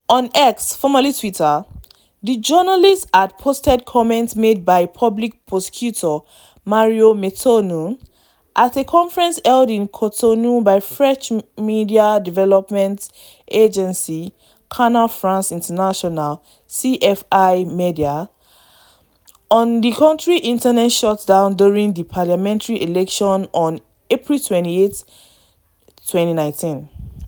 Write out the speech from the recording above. On X (formerly Twitter), the journalist had posted comments made by public prosecutor, Mario Metonou, at a conference held in Cotonou by French media development agency, Canal France International (CFI Médias), on the country's internet shutdown during the parliamentary elections on April 28, 2019;